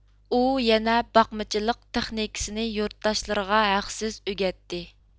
ئۇ يەنە باقمىچىلىق تېخنىكىسىنى يۇرتداشلىرىغا ھەقسىز ئۆگەتتى